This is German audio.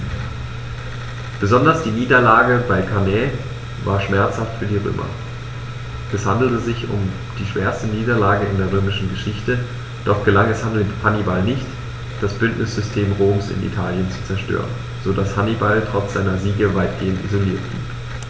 Besonders die Niederlage bei Cannae war schmerzhaft für die Römer: Es handelte sich um die schwerste Niederlage in der römischen Geschichte, doch gelang es Hannibal nicht, das Bündnissystem Roms in Italien zu zerstören, sodass Hannibal trotz seiner Siege weitgehend isoliert blieb.